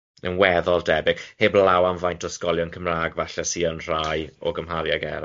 Yn weddol debyg, heb law am faint o ysgolion Cymrag falle sy yn rhai o gymharu ag eraill.